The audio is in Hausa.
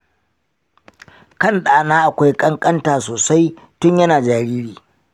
kan ɗana akwai ƙanƙanta sosai tun yana jariri.